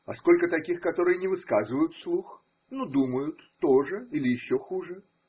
А сколько таких, которые не высказывают вслух, но думают то же или еще хуже?